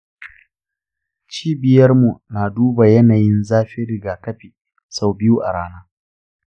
cibiyarmu na duba yanayin zafin rigakafi sau biyu a rana.